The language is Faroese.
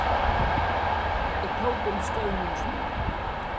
eg tók um skøvningin á honum